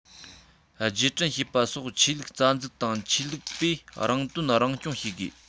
རྗེས དྲན བྱེད པ སོགས ཆོས ལུགས རྩ འཛུགས དང ཆོས ལུགས པས རང དོན རང སྐྱོང བྱེད དགོས